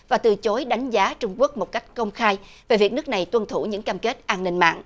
và từ chối đánh giá trung quốc một cách công khai về việc nước này tuân thủ những cam kết an ninh mạng